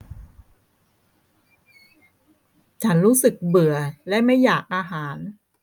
ฉันรู้สึกเบื่อและไม่อยากอาหาร